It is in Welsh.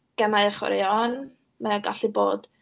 Gemau a chwaraeon, mae o'n gallu bod...